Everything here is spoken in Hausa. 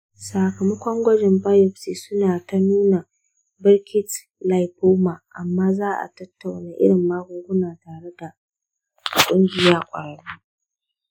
sakamakon gwajin biopsy suna ta nuna burkitt lymphoma, amma za'a tattauna irin magunguna tare da ƙungiyan ƙwararru.